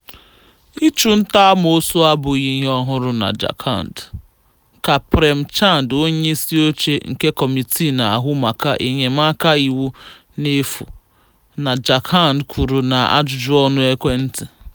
Ịchụnta amoosu abụghị ihe ọhụrụ na Jharkhand, ka Prem Chand, Onyeisioche nke Kọmitii Na-ahụ Maka Enyemaka Iwu N'efu (FLAC) na Jharkhand kwuru na n'ajụjụ ọnụ ekwentị.